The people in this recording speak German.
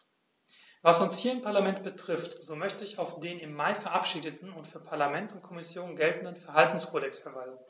Was uns hier im Parlament betrifft, so möchte ich auf den im Mai verabschiedeten und für Parlament und Kommission geltenden Verhaltenskodex verweisen.